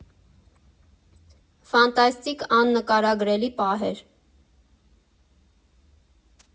Ֆանտաստիկ, աննկարագրելի պահ էր։